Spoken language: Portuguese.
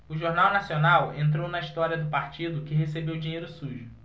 o jornal nacional entrou na história do partido que recebeu dinheiro sujo